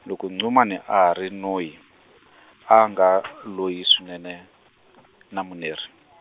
loko Nxumalo a ha ri noyi, a nga loyi swinene, na Muneri .